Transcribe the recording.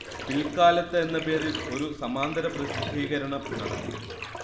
പിൽക്കാലത്ത് എന്ന പേരിൽ ഒരു സമാന്തര പ്രസിദ്ധീകരണം നടത്തി